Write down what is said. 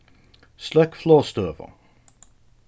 sløkk flogstøðu